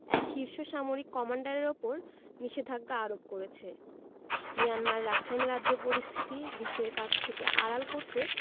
এক শীর্ষ সামরিক কমান্ডারের ওপর নিষেধাজ্ঞা আরোপ করেছে মিয়ানমার রাখাইন রাজ্য পরিস্থিতি বিশ্বের কাছ থেকে আড়াল করতে